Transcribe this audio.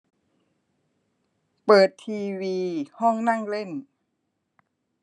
เปิดทีวีห้องนั่งเล่น